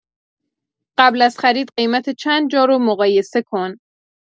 قبل از خرید قیمت چند جا رو مقایسه کن